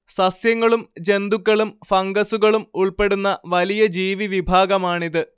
സസ്യങ്ങളും ജന്തുക്കളും ഫംഗസ്സുകളും ഉൾപ്പെടുന്ന വലിയ ജീവിവിഭാഗമാണിത്